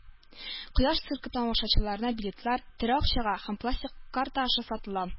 Кояш циркы тамашаларына билетлар “тере” акчага һәм пластик карта аша сатыла